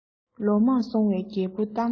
ལོ མང སོང བའི རྒད པོའི གཏམ ལ ཉོན